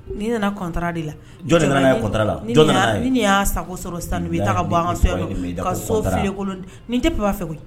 Nin na na contrat de la ni nin y'a sago sɔrɔ ni bɛ taa ka bɔ an ka so yan nɔ ka so filen kolon nin tɛ